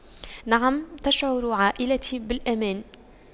نعم تشعر عائلتي بالأمان